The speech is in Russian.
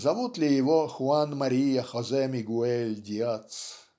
зовут ли его Хуан-Мария-Хозе-Мигуэль-Диац.